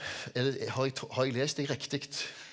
har eg har jeg lest deg riktig?